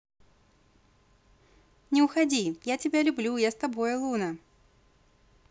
не уходи я тебя люблю я с тобой louna